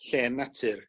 llên natur